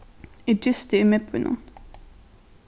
eg gisti í miðbýnum